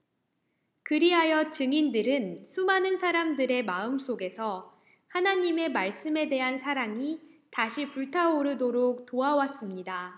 그리하여 증인들은 수많은 사람들의 마음속에서 하느님의 말씀에 대한 사랑이 다시 불타오르도록 도와 왔습니다